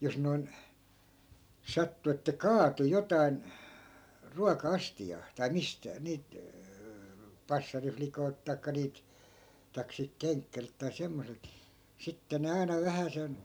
jos noin sattui että kaatui jotakin ruoka-astiaan tai - niiltä passarilikoilta tai niiltä tai siltä kenkkäriltä tai semmoiselta sitten ne aina vähäsen